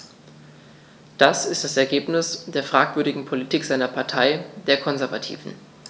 Das ist das Ergebnis der fragwürdigen Politik seiner Partei, der Konservativen.